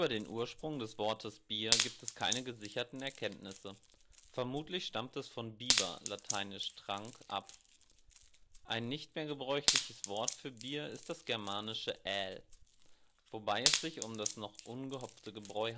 den Ursprung des Wortes Bier gibt es keine gesicherten Erkenntnisse. Vermutlich stammt es von biber (lat. Trank) ab. Ein nicht mehr gebräuchliches Wort für Bier ist das germanische Äl (vgl. engl. Ale), wobei es sich um das noch ungehopfte Gebräu handelte